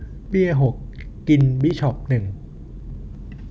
เบี้ยหกกินบิชอปหนึ่ง